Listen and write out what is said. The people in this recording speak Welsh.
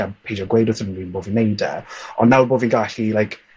a peidio gweud wrth unryw un bo' fi'n neud e. Ond nawr bo fi'n gallu like